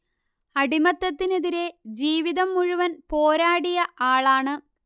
അടിമത്തത്തിനെതിരെ ജീവിതം മുഴുവൻ പോരാടിയ ആളാണ്